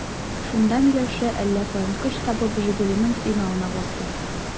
Шунда Миләүшә, әллә каян көч табып, «Жигули»ның сигналына басты.